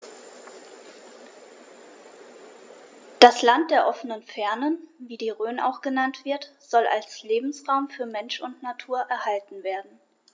Das „Land der offenen Fernen“, wie die Rhön auch genannt wird, soll als Lebensraum für Mensch und Natur erhalten werden.